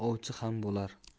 ovchi ham bo'lar